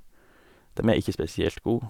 Dem er ikke spesielt god.